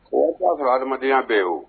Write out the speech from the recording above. O'a sɔrɔ adamadenya bɛ ye wo